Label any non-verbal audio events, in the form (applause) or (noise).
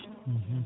(hesitation) (hesitation)